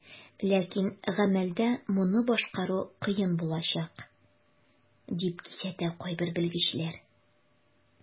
Ләкин гамәлдә моны башкару кыен булачак, дип кисәтә кайбер белгечләр.